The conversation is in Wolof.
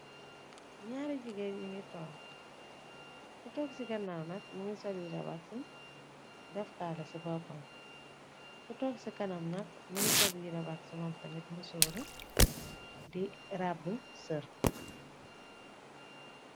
Nyaari jigén yi ngi toor ku toog ci kanaw nag mu ngi sol yirabag si defkaala ci boppam. Ku toog ci kanam nak mu ngi sol yirabag si. Mom tamit mu sooru di rabb sër.